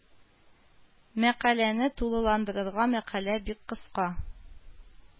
Мәкаләне тулыландырырга мәкалә бик кыска